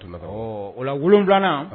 O la 7 nan